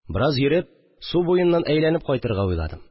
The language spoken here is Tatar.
Бераз йөреп, су буеннан әйләнеп кайтырга уйладым